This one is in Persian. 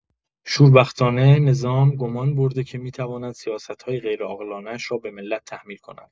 شوربختانه، نظام گمان برده که می‌تواند سیاست‌های غیرعاقلانه‌اش را به ملت تحمیل کند.